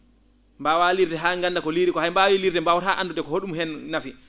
mbaawaa liirde haa ngannda ko liiri koo hay mbaawi lirde han mbaawataa anndude ko ho?um hen nafi